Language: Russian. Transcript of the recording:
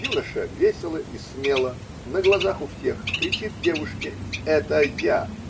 юноша весело и смело, на глазах у всех, кричит девушке: "это я"